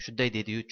shunday dedi yu